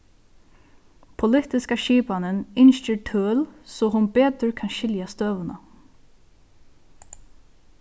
politiska skipanin ynskir tøl so hon betur kann skilja støðuna